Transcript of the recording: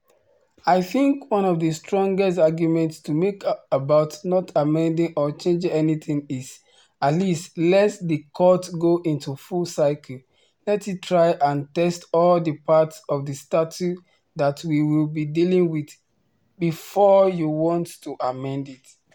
I think one of the strongest arguments to make about not amending or changing anything is, at least let the court go into full cycle, let it try and test all the parts of the statute that we will be dealing with, before you want to amend it.